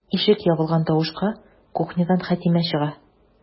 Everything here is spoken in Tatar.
Ишек ябылган тавышка кухнядан Хәтимә чыга.